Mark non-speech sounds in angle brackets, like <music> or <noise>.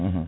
<hesitation> <hesitation>